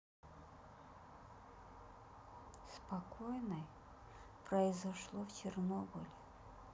спокойной произошло в чернобыле